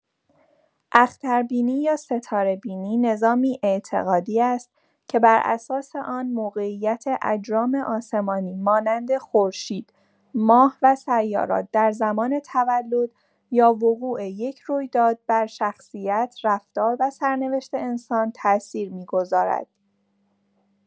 اختربینی یا ستاره‌بینی نظامی اعتقادی است که بر اساس آن، موقعیت اجرام آسمانی مانند خورشید، ماه و سیارات در زمان تولد یا وقوع یک رویداد، بر شخصیت، رفتار و سرنوشت انسان تأثیر می‌گذارد.